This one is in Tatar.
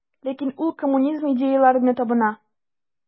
Ләкин ул коммунизм идеяләренә табына.